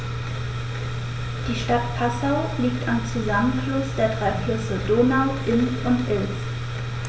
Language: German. Die Stadt Passau liegt am Zusammenfluss der drei Flüsse Donau, Inn und Ilz.